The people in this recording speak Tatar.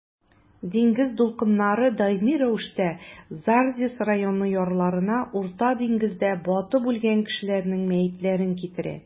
Диңгез дулкыннары даими рәвештә Зарзис районы ярларына Урта диңгездә батып үлгән кешеләрнең мәетләрен китерә.